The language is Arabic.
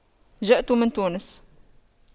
جئت من تونس